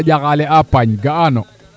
a ƴaxaale 'a paañ ga'aano